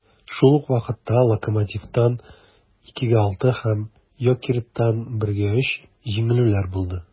Шул ук вакытта "Локомотив"тан (2:6) һәм "Йокерит"тан (1:3) җиңелүләр булды.